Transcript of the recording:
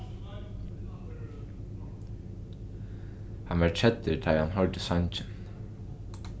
hann varð keddur tá ið hann hoyrdi sangin